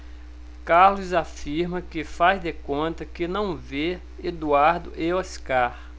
carlos afirma que faz de conta que não vê eduardo e oscar